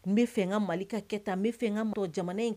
N bɛ fɛ ka mali ka kɛ tan n bɛ fɛ ka jamana in